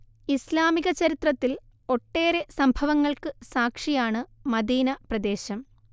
ഇസ്ലാമിക ചരിത്രത്തിൽ ഒട്ടേറെ സംഭവങ്ങൾക്ക് സാക്ഷിയാണ് മദീന പ്രദേശം